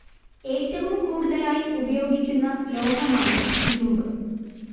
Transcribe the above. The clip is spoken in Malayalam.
ഏറ്റവും കൂടുതലായി ഉപയോഗിക്കുന്ന ലോഹമാണ് ഇരുമ്പ്